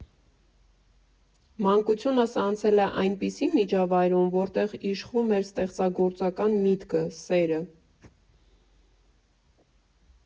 Մանկությունս անցել է այնպիսի միջավայրում, որտեղ իշխում էր ստեղծագործական միտքը, սերը։